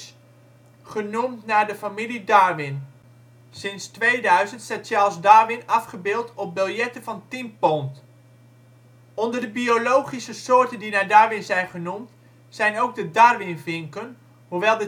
genoemd naar de familie Darwin. Sinds 2000 staat Charles Darwin afgebeeld op biljetten van 10 pond. Onder de biologische soorten die naar Darwin zijn genoemd zijn ook de darwinvinken, hoewel